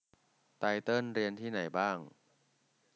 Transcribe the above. ไตเติ้ลเรียนที่ไหนบ้าง